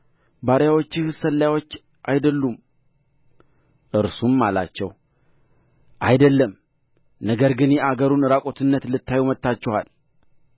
ባሪያዎችህስ ሰላዩች አይደሉም እርሱም አላቸው አይደለም ነገር ግን የአገሩን ዕራቁትነት ልታዩ መጥታችኋል